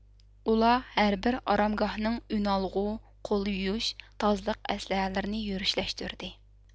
ئۇلار ھەر بىر ئارامگاھنىڭ ئۈن ئالغۇ قول يۇيۇش تازىلىق ئەسلىھەلىرىنى يۈرۈشلەشتۈردى